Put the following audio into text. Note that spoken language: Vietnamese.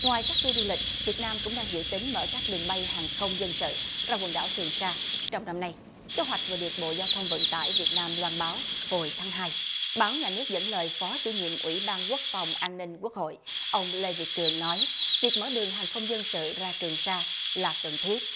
ngoài các tua du lịch việt nam cũng đang dự tính mở các đường bay hàng không dân sự là quần đảo trường sa trong năm nay kế hoạch vừa được bộ giao thông vận tải việt nam loan báo hồi tháng hai báo nhà nước dẫn lời phó chủ nhiệm ủy ban quốc phòng an ninh quốc hội ông lê việt trường nói việc mở đường hàng không dân sự ra trường sa là cần thiết